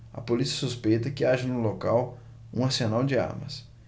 a polícia suspeita que haja no local um arsenal de armas